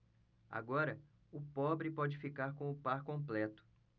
agora o pobre pode ficar com o par completo